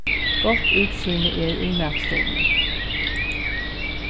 gott útsýni er úr matstovuni